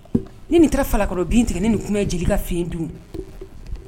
Ni nin taara falakɔrɔ bin tigɛ ni nin kuma ye Jelika fɛ yen dun